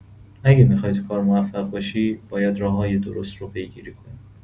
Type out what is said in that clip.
اگه می‌خوای توی کار موفق باشی، باید راه‌های درست رو پیگیری کنی.